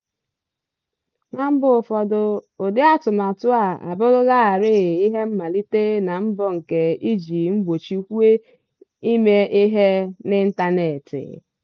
Na mba ụfọdụ, ụdị atụmatụ a a bụrụ larịị ihe mmalite na mbọ nke ịji mgbochi kwuo ime ihe n'ịntanetị.